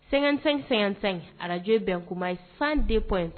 Sɛgɛn-sɛn sɛgɛnsɛn arajo bɛn kuma ye san dep